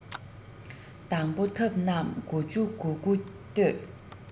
དང པོ ཐབས རྣམས དགུ བཅུ གོ དགུ གཏོད